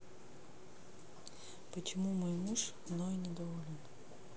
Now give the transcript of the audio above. почему мой муж мной недоволен